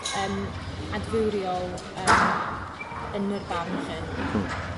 yym adfywriol yym yn yr barn chi.